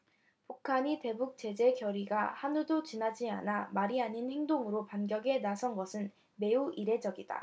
북한이 대북 제재 결의가 하루도 지나지 않아 말이 아닌 행동으로 반격에 나선 것은 매우 이례적이다